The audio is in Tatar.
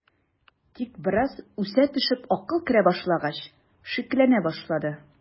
Тик бераз үсә төшеп акыл керә башлагач, шикләнә башлады.